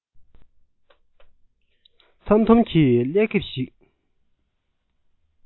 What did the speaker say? འཐམ འཐོམ གྱི ཀླད ཁེབས ཤིག